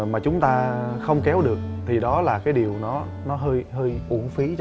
mà chúng ta không kéo được thì đó là cái điều nó nó hơi hơi uổng phí